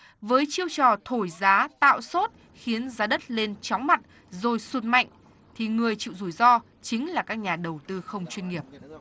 với chiêu trò thổi giá tạo sốt khiến giá đất lên chóng mặt rồi sụt mạnh thì người chịu rủi ro chính là các nhà đầu tư không chuyên nghiệp